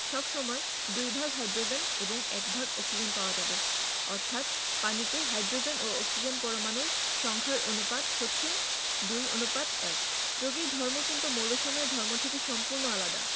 সব সময় দুই ভাগ হাইড্রোজেন এবং এক ভাগ অক্সিজেন পাওয়া যাবে অর্থাৎ পানিতে হাইড্রোজেন ও অক্সিজেনের পরমাণুর সংখ্যার অনুপাত 2 : 1 যৌগের ধর্ম কিন্তু মৌলসমূহের ধর্ম থেকে সম্পূর্ণ আলাদা